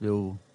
rhyw